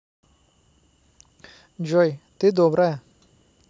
джой ты добрая